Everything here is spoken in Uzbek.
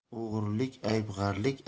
o'g'rik ayb g'arlik